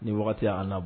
Ni wagati an na